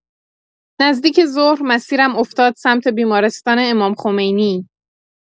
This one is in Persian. نزدیک ظهر، مسیرم افتاد سمت بیمارستان امام‌خمینی.